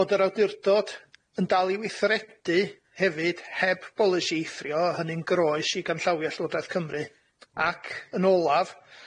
Bod yr awdurdod yn dal i weithredu hefyd heb bolisi thrio a hynny'n groes i ganllawia Llywodraeth Cymru ac yn olaf,